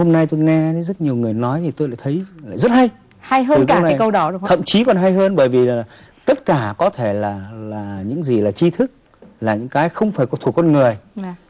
hôm nay tôi nghe thấy rất nhiều người nói thì tôi lại thấy rất hay thậm chí còn hay hơn bởi vì tất cả có thể là là những gì là tri thức là những cái không phải thuộc con người